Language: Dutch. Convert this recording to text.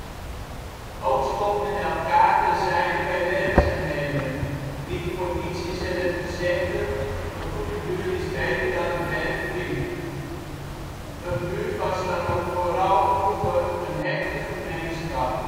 Ook stond men elkaar terzijde bij werkzaamheden. Niet voor niets is er het gezegde: een goede buur is beter dan een verre vriend. Een buurt was dan ook vooral vroeger een hechte gemeenschap